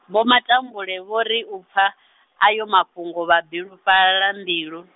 Vho Matambule vho ri u pfa, ayo mafhungo vha bilufhala mbilu.